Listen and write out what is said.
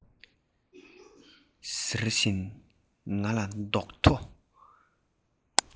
ཟེར བཞིན ང ལ རྡོག ཐོ